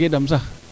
wo mat jegee dam sax